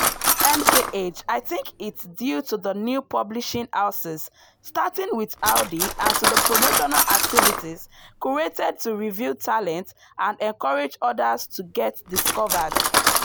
MKH: I think it's due to the new publishing houses, starting with Awoudy, and to the promotional activities curated to reveal talents and encourage others to get discovered.